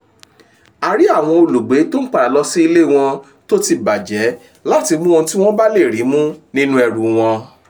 A rí àwọn olùgbé tó ń padà lọ sí ilé wọn tó ti bàjẹ́ láti mú ohun tí wọ́n bá lè rí mú nínú ẹrù wọn.